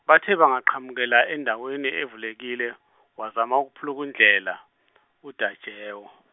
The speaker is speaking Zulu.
bathe bangaqhamukela endaweni evulekile, wazama ukuphulukundlela uTajewo.